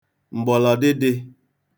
m̀gbọ̀lọdị̄dị̄